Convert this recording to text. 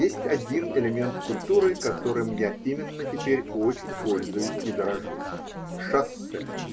Есть один элемент культуры, которым я именно теперь очень пользуюсь и дорожу: шоссе.